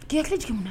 Kɛlɛki jumɛn na